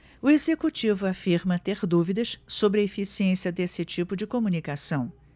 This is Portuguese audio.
o executivo afirma ter dúvidas sobre a eficiência desse tipo de comunicação